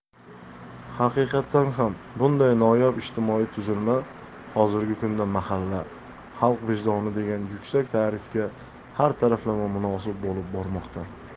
haqiqatan ham bunday noyob ijtimoiy tuzilma hozirgi kunda mahalla xalq vijdoni degan yuksak ta'rifga har taraflama munosib bo'lib bormoqda